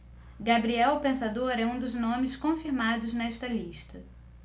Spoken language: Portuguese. gabriel o pensador é um dos nomes confirmados nesta lista